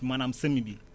maanaam semis bi